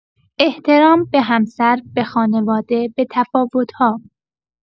احترام به همسر، به خانواده، به تفاوت‌ها.